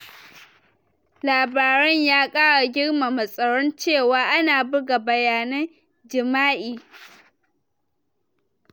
Labaren ya kara girmama tsoron cewa ana buga bayanan jima'i